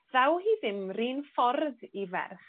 Ddaw hi ddim 'run ffordd i ferch.